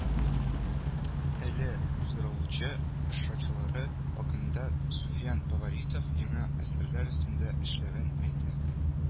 Әле уздырылучы очрашулары вакытында Суфиян Поварисов яңа әсәрләр өстендә эшләвен әйтә